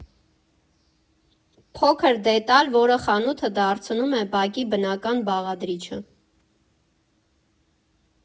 Փոքր դետալ, որը խանութը դարձնում է բակի բնական բաղադրիչը։